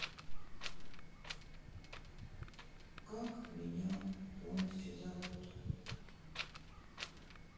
как меня полностью зовут